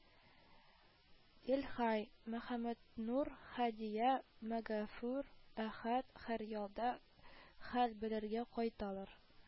Делхәй, мөхәммәтнур, һәдия, мәгафур, әхәт һәр ялда хәл белергә кайталар